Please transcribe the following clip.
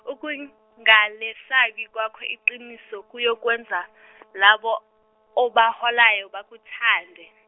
ukungalesabi kwakho iqiniso kuyokwenza labo obaholayo bakuthande.